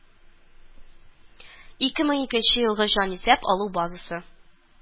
Ике мең икенче елгы җанисәп алу базасы